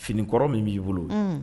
Finikɔrɔ min b'i bolo